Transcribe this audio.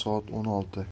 soat o'n olti